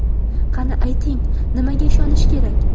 qani ayting nimaga ishonish kerak